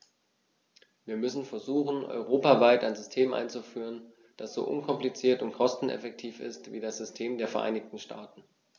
Wir müssen versuchen, europaweit ein System einzuführen, das so unkompliziert und kosteneffektiv ist wie das System der Vereinigten Staaten.